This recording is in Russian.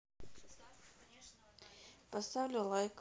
поставлю лайк